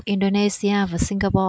indonesia và singapore